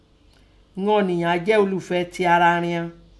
Ìghan ọ̀niyan áá jẹ́ olufe tẹ ara rian.